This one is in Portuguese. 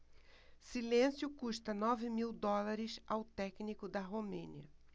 silêncio custa nove mil dólares ao técnico da romênia